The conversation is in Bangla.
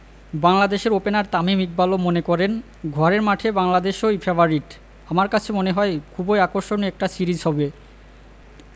বাংলাদেশের ওপেনার তামিম ইকবালও মনে করেন ঘরের মাঠে বাংলাদেশই ফেবারিট আমার কাছে মনে হয় খুবই আকর্ষণীয় একটা সিরিজ হবে